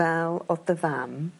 fel odd dy fam